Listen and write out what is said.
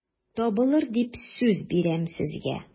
Табылыр дип сүз бирәм сезгә...